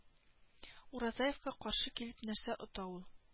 Уразаевка каршы килеп нәрсә ота ул